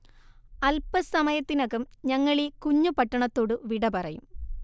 അൽപസമയത്തിനകം ഞങ്ങളീ കുഞ്ഞു പട്ടണത്തോടു വിട പറയും